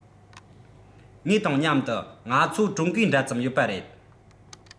ངེས དང མཉམ དུ ང ཚོ ཀྲུང གོའི འདྲ ཙམ ཡོད པ རེད